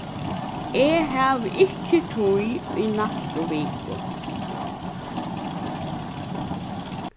eg havi ikki tíð í næstu viku